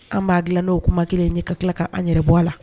An b'a dilan' oo kuma kelen ɲɛ ka tila ka an yɛrɛ bɔ a la